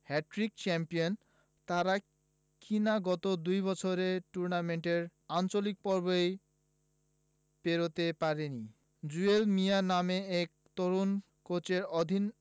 hat trick champion তারা কিনা গত দুই বছরে টুর্নামেন্টের আঞ্চলিক পর্বই পেরোতে পারেনি জুয়েল মিয়া নামের এক তরুণ কোচের অধীনে